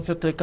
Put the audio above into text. ok